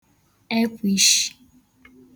èkwàisī